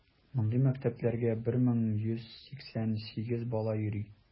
Мондый мәктәпләргә 1188 бала йөри.